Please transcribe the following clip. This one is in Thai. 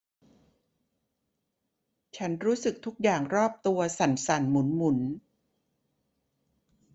ฉันรู้สึกทุกอย่างรอบตัวสั่นสั่นหมุนหมุน